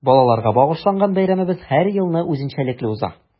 Балаларга багышланган бәйрәмебез һәр елны үзенчәлекле уза.